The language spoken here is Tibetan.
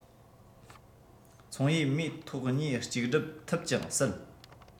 ཚོང ཡིས མོའི ཐོག གཉིས གཅིག བསྒྲུབ ཐུབ ཀྱང སྲིད